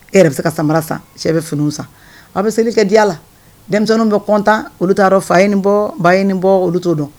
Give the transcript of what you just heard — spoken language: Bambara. E yɛrɛ bɛ se ka samara san cɛ bɛ fini san a bɛ seli kɛ di la denmisɛnnin bɛ kɔntan olu t'a dɔn fa bɔ ba ye ni bɔ olu t'o dɔn